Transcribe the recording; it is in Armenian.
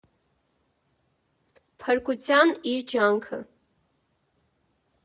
Փրկության իր ջանքը։